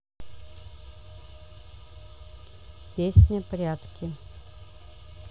песня прятки